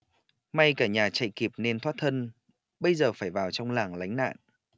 may cả nhà chạy kịp nên thoát thân bây giờ phải vào trong làng lánh nạn